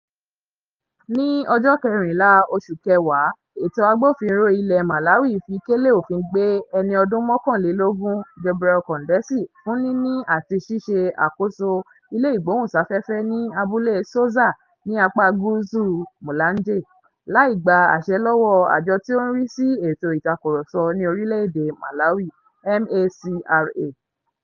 Ní ọjọ́ kẹrìnlá oṣù kẹwàá ètò agbófinró ilẹ̀ Malawi fi kélé òfin gbé ẹni ọdún mọ́kànlélógún Gabriel Kondesi fún níní àti ṣíṣe àkóso ilé ìgbóhùn sáfẹ́fẹ́ ní abúlé Soza ní apá gúúsù Mulanje, láì gba àṣẹ lọ́wọ́ àjọ tí ó ń rí sí ètò ìtakùrọsọ ní orílẹ̀ èdè Malawi (MACRA)